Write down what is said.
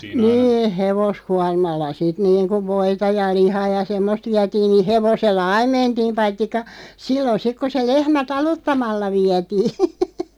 niin hevoskuormalla sitten niin kuin voita ja lihaa ja semmoista vietiin niin hevosella aina mentiin paitsi silloin sitten kun se lehmä taluttamalla vietiin